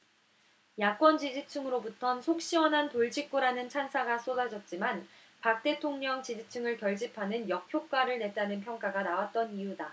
야권 지지층으로부턴 속시원한 돌직구라는 찬사가 쏟아졌지만 박 대통령 지지층을 결집하는 역효과를 냈다는 평가가 나왔던 이유다